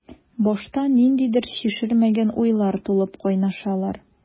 Башта ниндидер чишелмәгән уйлар тулып кайнашалар.